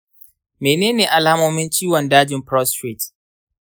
menene alamomin ciwon dajin prostate?